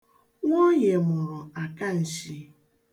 Nwoye mụrụ akanshi.